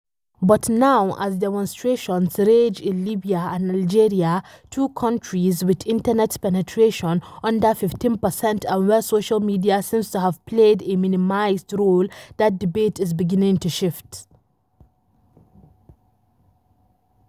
But now, as demonstrations rage in Libya and Algeria–two countries with Internet penetration under 15% and where social media seems to have played a minimized role–that debate is beginning to shift.